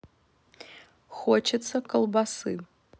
хочется колбасы